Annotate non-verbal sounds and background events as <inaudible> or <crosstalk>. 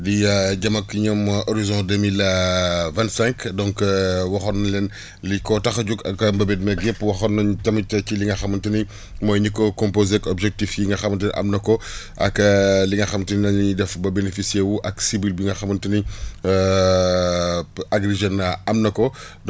di <hesitation> jëm ak ñoom horizon deux mpille <hesitation> vingt cinq donc <hesitation> waxoon nañ leen <breath> li ko tax a jug ak mbébét meeg lépp waxoon nañu tamit ci li nga xamante ni <breath> mooy ñi ko composé ak objectifs yi nga xamante ne am na ko <breath> ak <hesitation> li nga xamante ni nag la ñuy def ba bénéficié wu ak cyble bi nga xamante ni <hesitation> Agri Jeunes am na ko <breath>